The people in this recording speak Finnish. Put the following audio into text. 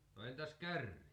no entäs kärryt